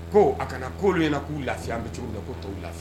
Ko a kana'olu ɲɛna k'u lase an bɛ cogo la ko tu lafi